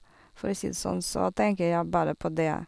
For å si det sånn, så tenker jeg bare på det.